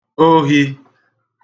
ohi